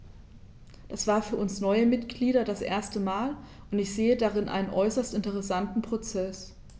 Das war für uns neue Mitglieder das erste Mal, und ich sehe darin einen äußerst interessanten Prozess.